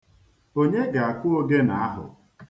Onye ga-akụ ogene ahụ?